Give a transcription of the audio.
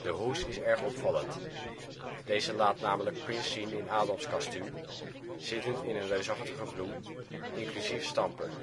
hoes is erg opvallend: deze laat namelijk Prince zien in adamskostuum, zittend in een reusachtige bloem, inclusief stamper